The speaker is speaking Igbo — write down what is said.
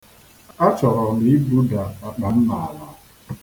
Achọrọ m ibuda akpa m n'ala.